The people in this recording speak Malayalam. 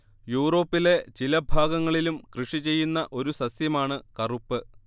യൂറോപ്പിലെ ചില ഭാഗങ്ങളിലും കൃഷി ചെയ്യുന്ന ഒരു സസ്യമാണ് കറുപ്പ്